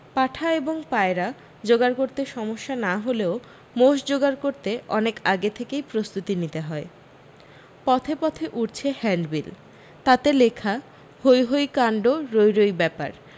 পাঁঠা এবং পায়রা জোগাড় করতে সমস্যা না হলেও মোষ জোগাড় করতে অনেকটা আগে থেকেই প্রস্তুতি নিতে হয় পথে পথে উড়ছে হ্যাণ্ডবিল তাতে লেখা হৈহৈ কাণড রৈরৈ ব্যাপার